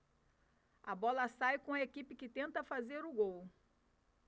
a bola sai com a equipe que tenta fazer o gol